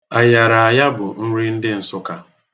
Ayaraaya bụ nri ndị Nsụka.